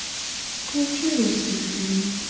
включи русский фильм